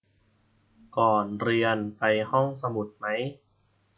ก่อนเรียนไปห้องสมุดมั้ย